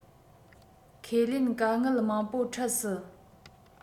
ཁས ལེན དཀའ ངལ མང པོ འཕྲད སྲིད